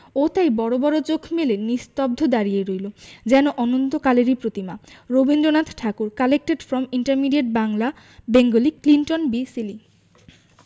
ও তাই বড় বড় চোখ মেলে নিস্তব্ধ দাঁড়িয়ে রইল যেন অনন্তকালেরই প্রতিমা Rabindranath Thakur collected from intermediate Bangla Bengali Clinton B Seely